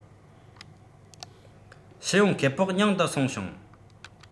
ཕྱིར ཡོང ཁེ སྤོགས ཉུང དུ སོང ཞིང